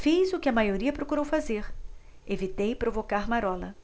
fiz o que a maioria procurou fazer evitei provocar marola